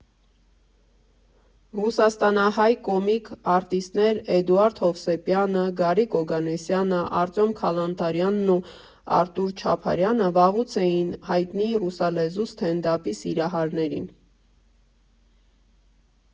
Ռուսաստանահայ կոմիկ արտիստներ Էդուարդ Հովսեփյանը, Գարիկ Օգանեսյանը, Արտյոմ Քալանթարյանն ու Արթուր Չապարյանը վաղուց էին հայտնի ռուսալեզու սթենդափի սիրահարներին։